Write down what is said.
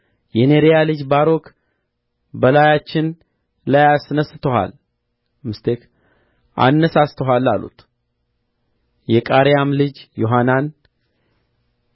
የኔርያ ልጅ ባሮክ በላያችን ላይ አነሣሥቶሃል አሉት የቃሬያም ልጅ ዮሐናን የጭፍራ አለቆችም ሁሉ ሕዝቡም ሁሉ በይሁዳ ምድር ይቀመጡ ዘንድ የእግዚአብሔርን ቃል አልሰሙም የቃሬያም ልጅ ዮሐናን